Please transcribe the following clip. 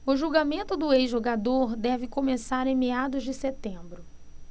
o julgamento do ex-jogador deve começar em meados de setembro